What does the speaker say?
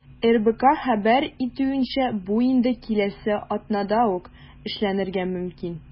РБК хәбәр итүенчә, бу инде киләсе атнада ук эшләнергә мөмкин.